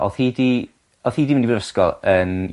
...odd hi 'di odd hi 'di mynd i'r brifysgol yn...